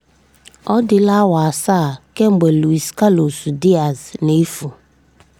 Ọ dịla awa asaa kemgbe Luis Carlos Díaz na-efu.